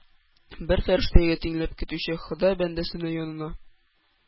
Бер фәрештәгә тиңләп көтүче хода бәндәсе янына.